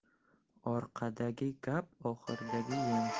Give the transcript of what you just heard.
orqadagi gap oxurdagi yem